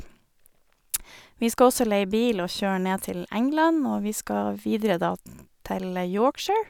Vi skal også leie bil og kjøre ned til England, og vi skal videre da til Yorkshire.